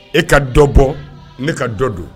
E ka dɔ bɔ ne ka dɔ don